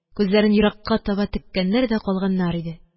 Күзләрен еракка таба теккәннәр дә калганнар иде